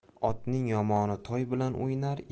otning yomoni toy bilan o'ynar